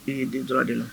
E' dentura de na